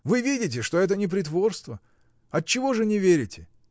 Вы видите, что это не притворство! Отчего же не верите?